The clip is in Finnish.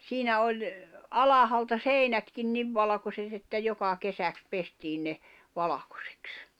siinä oli alhaalta seinätkin niin valkoiset että joka kesäksi pestiin ne valkoiseksi